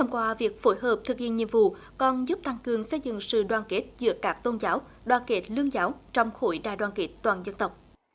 thông qua việc phối hợp thực hiện nhiệm vụ còn giúp tăng cường xây dựng sự đoàn kết giữa các tôn giáo đoàn kết lương giáo trong khối đại đoàn kết toàn dân tộc